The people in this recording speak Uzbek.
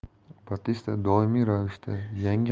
batista doimiy ravishda yangi